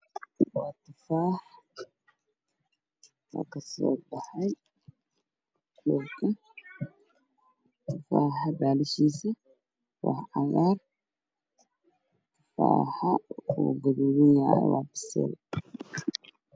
Waa tufaax oo kasoo baxay dhulka tufaaxa balashiisa waa cagaar tufaaxa waa gaduudan yahay waa bisayl